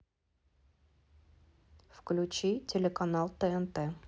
включи телеканал тнт